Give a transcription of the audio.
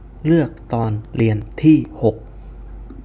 เลือกตอนเรียนที่หก